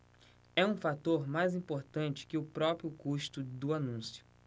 é um fator mais importante que o próprio custo do anúncio